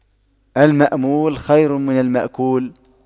المأمول خير من المأكول